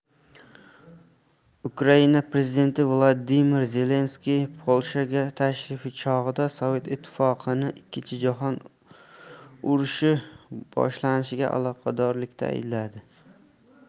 ukraina prezidenti vladimir zelenskiy polshaga tashrifi chog'ida sovet ittifoqini ikkinchi jahon urushi boshlanishiga aloqadorlikda aybladi